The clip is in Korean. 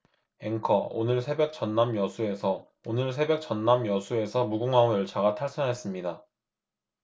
앵커 오늘 새벽 전남 여수에서 오늘 새벽 전남 여수에서 무궁화호 열차가 탈선했습니다